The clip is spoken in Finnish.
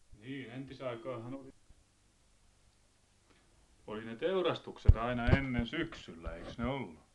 Niin, entisaikaanhan oli, oli ne teurastukset aina ennen syksyllä, eiks ne ollu?